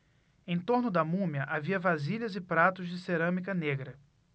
em torno da múmia havia vasilhas e pratos de cerâmica negra